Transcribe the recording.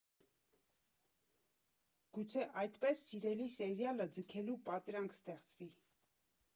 Գուցե այդպես սիրելի սերիալը ձգելու պատրանք ստեղծվի։